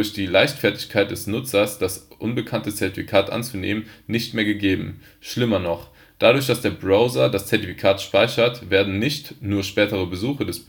die Leichtfertigkeit des Nutzers, das unbekannte Zertifikat anzunehmen, nicht mehr gegeben. Schlimmer noch: Dadurch, dass der Browser das Zertifikat speichert, werden nicht nur spätere Besuche des